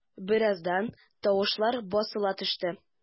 Бераздан тавышлар басыла төште.